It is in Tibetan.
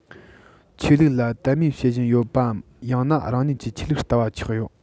ཆོས ལུགས ལ དད མོས བྱེད བཞིན ཡོད པའམ ཡང ན རང ཉིད ཀྱི ཆོས ལུགས ལྟ བ ཆགས ཡོད